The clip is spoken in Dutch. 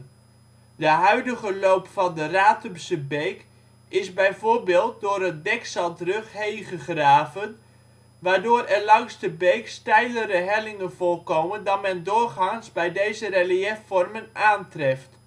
De huidige loop van de Ratumse beek is bijvoorbeeld door een dekzandrug heen gegraven, waardoor er langs de beek steilere hellingen voorkomen dan men doorgaans bij deze reliëfvormen aantreft